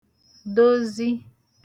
dozi